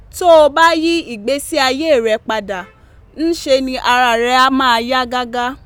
Tó o bá yí ìgbésí ayé rẹ pa dà, ńṣe ni ara rẹ á máa yá gágá.